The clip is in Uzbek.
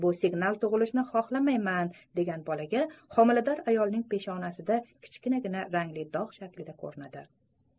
bu signal tug'ilishni xohlamaydigan bolaga homilador ayolning peshonasida kichkinagina rangli dog' shaklida ko'rinadi